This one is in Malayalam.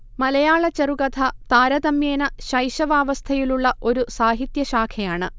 മലയാള ചെറുകഥ താരതമ്യേന ശൈശവാവസ്ഥയിലുള്ള ഒരു സാഹിത്യ ശാഖയാണ്